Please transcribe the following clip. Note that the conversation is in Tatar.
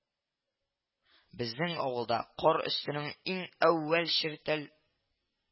Безнең авылда кар өстенең иң әүвәл чертәл